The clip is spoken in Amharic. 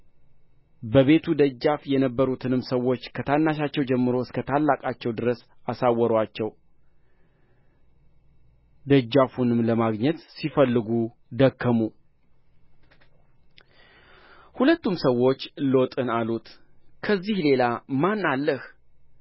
በቤቱ ደጃፍ የነበሩትንም ሰዎች ከታናሻቸው ጀምሮ እስከ ታለቃቸው ድረስ አሳወሩአቸው ደጃፉንም ለማግኘት ሲፈልጉ ደከሙ ሁለቱም ሰዎች ሎጥን አሉት ከዚህ ሌላ ማን አለህ